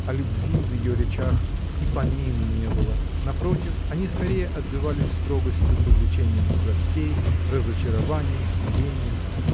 о любви в ее речах и помину не было: напротив, они скорее отзывались строгостью к увлечениям страстей, разочарованьем, смирением.